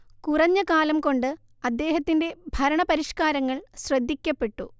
കുറഞ്ഞ കാലം കൊണ്ട് അദ്ദേഹത്തിന്റെ ഭരണ പരിഷ്കാരങ്ങൾ ശ്രദ്ധിക്കപ്പെട്ടു